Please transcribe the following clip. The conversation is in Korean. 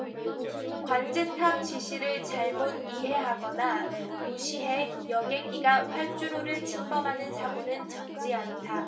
관제탑 지시를 잘못 이해하거나 무시해 여객기가 활주로를 침범하는 사고는 적지 않다